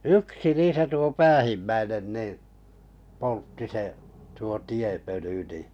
yksi niissä tuo päähimmäinen niin poltti se tuo tiepöly niin